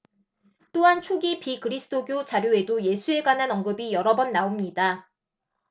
또한 초기 비그리스도교 자료에도 예수에 관한 언급이 여러 번 나옵니다